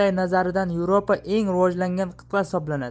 yevropa eng rivojlangan qit'a hisoblanadi